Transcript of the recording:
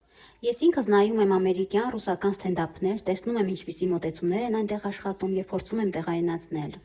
Ես ինքս նայում եմ ամերիկյան, ռուսական ստենդափներ, տեսնում եմ՝ ինչպիսի մոտեցումներ են այնտեղ աշխատում և փորձեմ եմ տեղայնացնել։